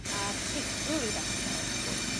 â'r teitl i ddechre wrth gwrs.